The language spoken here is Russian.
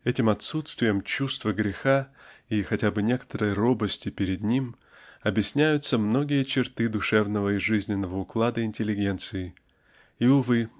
Этим отсутствием чувства греха и хотя бы некоторой робости перЁд ним объясняются многие черты душевного и жизненного уклада интеллигенции и -- увы!